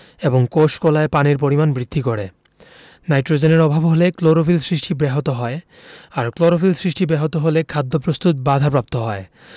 এবং কোষ কলায় পানির পরিমাণ বৃদ্ধি করে নাইট্রোজেনের অভাব হলে ক্লোরোফিল সৃষ্টি ব্যাহত হয় আর ক্লোরোফিল সৃষ্টি ব্যাহত হলে খাদ্য প্রস্তুত বাধাপ্রাপ্ত হয়